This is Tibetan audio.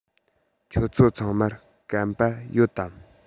ཁྱོད ཚོ ཚང མར སྐམ པ ཡོད དམ